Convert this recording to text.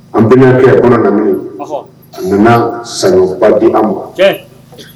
An bɛna kɛ kɔnɔ lam a nana sayba di an ma